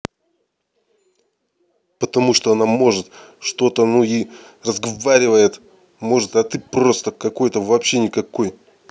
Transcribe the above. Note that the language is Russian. потому что она может что то ну и разговаривать может а ты просто какой то вообще никакой